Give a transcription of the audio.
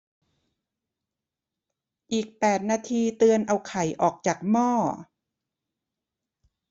อีกแปดนาทีเตือนเอาไข่ออกจากหม้อ